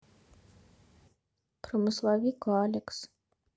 промысловик алекс